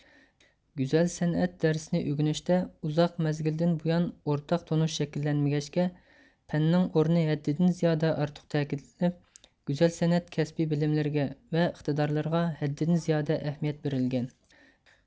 گۈزەل سەنئەت دەرسنى ئۆگىنىشتە ئۇزاق مەزگىلدىن بۇيان ئورتاق تونۇش شەكىللەنمىگەچكە پەننىڭ ئورنى ھەددىدىن زىيادە ئارتۇق تەكىتلىنىپ گۈزەل سەنئەت كەسپىي بىلىملىرىگە ۋە ئىقتىدارلىرىغا ھەددىدىن زىيادە ئەھمىيەت بېرىلگەن